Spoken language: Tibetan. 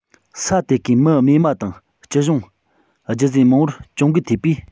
ས དེ གའི མི རྨས པ དང སྤྱི གཞུང རྒྱུ རྫས མང བོར གྱོང གུད ཐེབས པས